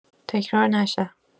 تکرار نشه